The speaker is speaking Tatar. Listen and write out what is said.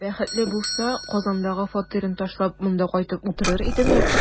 Бәхетле булса, Казандагы фатирын ташлап, монда кайтып утырыр идеме?